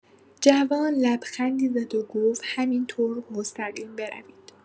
جوان لبخندی زد و گفت: «همین‌طور مستقیم بروید.»